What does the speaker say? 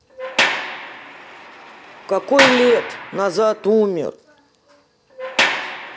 какой лет назад умер